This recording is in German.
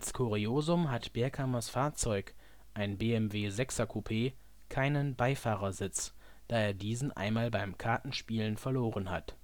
Kuriosum hat Berghammers Fahrzeug - ein BMW 6er-Coupe - keinen Beifahrersitz, da er diesen einmal beim Kartenspielen verloren hat